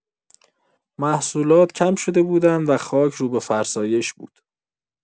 محصولات کم شده بودند و خاک رو به فرسایش بود.